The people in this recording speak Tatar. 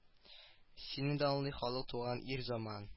Сине данлый халык туган ир заман